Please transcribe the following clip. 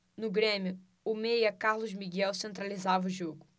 no grêmio o meia carlos miguel centralizava o jogo